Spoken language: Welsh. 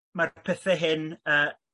mae'r pethe hyn yy